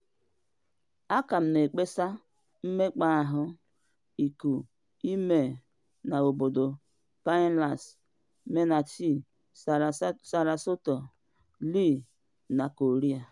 A ka na ekpesa mmekpa ahụ iku ime na obodo Pinellas, Manatee, Sarasota, Lee, na Collier.